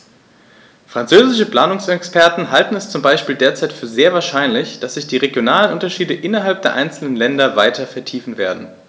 Französische Planungsexperten halten es zum Beispiel derzeit für sehr wahrscheinlich, dass sich die regionalen Unterschiede innerhalb der einzelnen Länder weiter vertiefen werden.